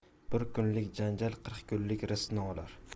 bir kunlik janjal qirq kunlik rizqni olar